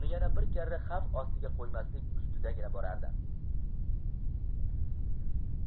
uni yana bir karra xavf ostiga qo'ymaslik ustidagina boradi